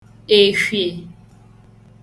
èfhie